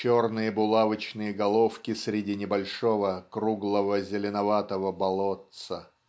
черные булавочные головки среди небольшого круглого зеленоватого болотца").